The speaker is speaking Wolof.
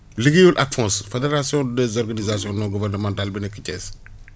liggéeyul ak FONG fédéraryion non gouvernementale bi nekk Thiès